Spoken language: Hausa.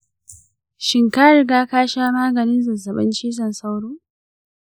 shin ka riga ka sha maganin zazzabin cizon sauro?